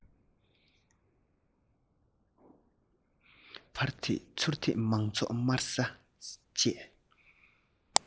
ཕར དེད ཚུར དེད མང ཚོགས དམར ཟས བཅད